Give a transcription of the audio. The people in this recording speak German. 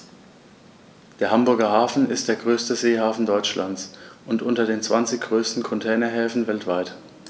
Der Hamburger Hafen ist der größte Seehafen Deutschlands und unter den zwanzig größten Containerhäfen weltweit.